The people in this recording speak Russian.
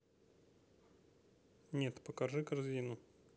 нет покажи корзину